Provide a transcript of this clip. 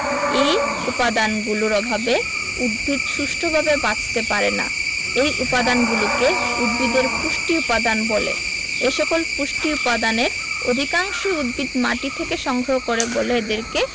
এ উপাদানগুলোর অভাবে উদ্ভিদ সুষ্ঠুভাবে বাঁচতে পারে না এ উপাদানগুলোকে উদ্ভিদের পুষ্টি উপাদান বলে এসকল পুষ্টি উপাদানের অধিকাংশই উদ্ভিদ মাটি থেকে সংগ্রহ করে বলে এদেরকে